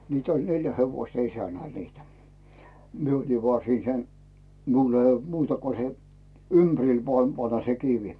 mitä oli neljä hevosta isännällä niitä minä olin vain siinä sen minulla ei ollut muuta kuin se ympärille vain pannaan se kivi